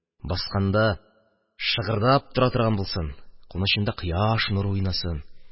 Басканда шыгырдап тора торган булсын, кунычында кояш нуры уйнасын.